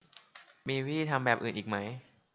มีวิธีทำแบบอื่นอีกไหม